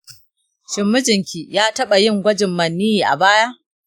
shin mijinki ya taɓa yin gwajin maniyyi a baya?